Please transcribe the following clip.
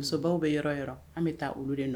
Muso bɛ yɔrɔ yɔrɔ an bɛ taa olu de nɔ